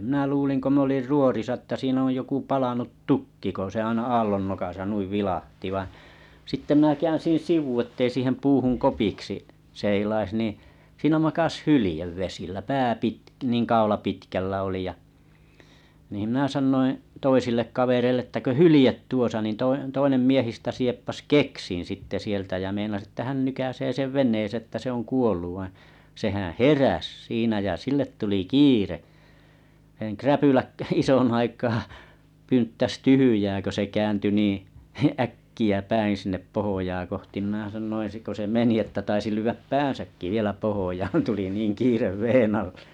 minä luulin kun minä olin ruorissa että siinä on joku palanut tukki kun se aina aallon nokassa noin vilahti vain sitten minä käänsin sivu että ei siihen puuhun kopiksi seilaisi niin siinä makasi hylje vesillä pää - niin kaula pitkällä oli ja niin minä sanoin toisille kavereille että kun hylje tuossa niin - toinen miehistä sieppasi keksin sitten sieltä ja meinasi että hän nykäisee sen veneeseen että se on kuollut vaan sehän heräsi siinä ja sille tuli kiire räpylät - ison aikaa pynttäsi tyhjää kun se kääntyi niin äkkiä päin sinne pohjaa kohti minä sanoin sitten kun se meni että taisi lyödä päänsäkin vielä pohjaan tuli niin kiire veden alle